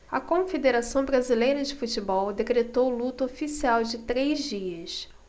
a confederação brasileira de futebol decretou luto oficial de três dias